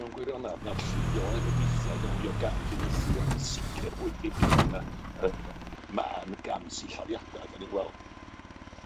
mewn gwirionadd na'r llu o emreithiau gawn ni o gam gyfieithu, ac yn sicir fwy difrifol na yy mân gam sillafiada 'dan ni'n gwel'.